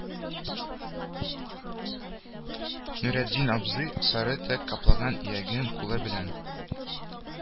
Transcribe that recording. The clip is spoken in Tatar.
Нуретдин абзый, сары төк каплаган ияген кулы белән